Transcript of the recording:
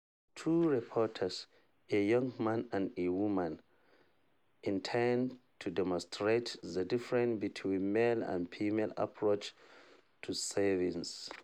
Two reporters, a young man and a woman, intend to demonstrate the difference between male and female approach to savings.